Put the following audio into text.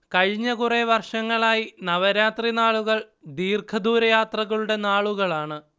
കഴിഞ്ഞ കുറേ വർഷങ്ങളായി നവരാത്രിനാളുകൾ ദീഘദൂരയാത്രകളുടെ നാളുകളാണ്